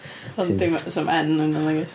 Ond dim, oes na'm N yndda fo, nagoes.